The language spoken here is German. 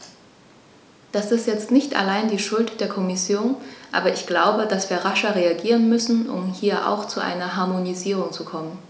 Das ist jetzt nicht allein die Schuld der Kommission, aber ich glaube, dass wir rascher reagieren müssen, um hier auch zu einer Harmonisierung zu kommen.